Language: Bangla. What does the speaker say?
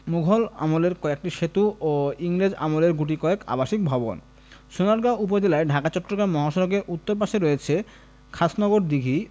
মুঘল আমলের কয়েকটি সেতু ও ইংরেজ আমলের গুটিকয়েক আবাসিক ভবন সোনারগাঁও উপজেলায় ঢাকা চট্টগ্রাম মহাসড়কের উত্তর পাশে রয়েছে খাসনগর দিঘি